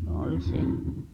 oli se